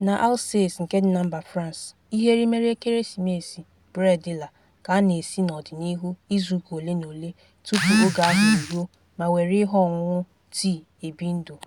N'Alsace nke dị na mba France, ihe erimeri ekeresimesi, bredela ka a na-esi n'ọdịnihu izuụka ole na ole tupu oge ahụ eruo ma wéré ihe ọṅụṅụ tịi ebi ndụ.